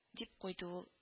— дип куйды ул